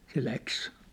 se lähti